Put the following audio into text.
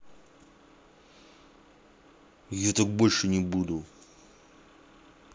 я так больше не буду